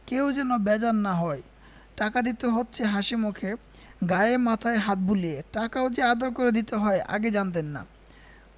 কেউ যেন বেজার না হয় টাকা দিতে হচ্ছে হাসিমুখে গায়ে মাথায় হাত বুলিয়ে টাকাও যে আদর করে দিতে হয় আগে জানতেন না